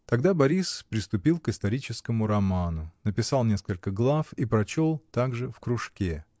Тогда Борис приступил к историческому роману, написал несколько глав и прочел также в кружке.